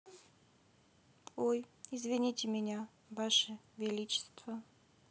ой извините меня ваше величество